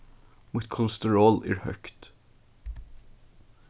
mítt kolesterol er høgt